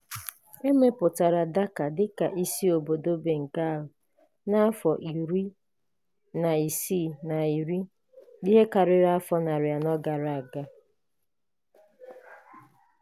E mepụtara Dhaka dịka isi obodo Bengal na 1610, ihe karịrị afọ narị anọ gara aga.